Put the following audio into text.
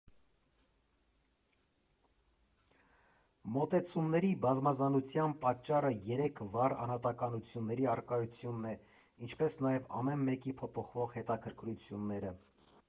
Մոտեցումների բազմազանության պատճառը երեք վառ անհատակությունների առկայությունն է, ինչպես նաև ամեն մեկի փոփոխվող հետաքրքրությունները։